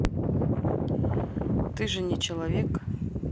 ты же не человек